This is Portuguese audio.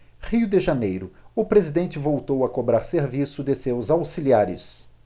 rio de janeiro o presidente voltou a cobrar serviço de seus auxiliares